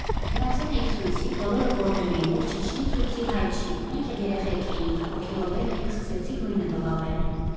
Գնացել էինք ցույցի, բոլորը գոռում էին՝ «ով չիջնի ցույցի, հայ չի», մենք էլ երեխեք էինք՝ ոգևորվել էինք, սկսեցինք նույնը բղավել։